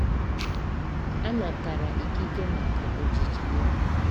A natara ikike maka ojiji ya.